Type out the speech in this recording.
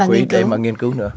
quỹ để mà nghiên cứu nữa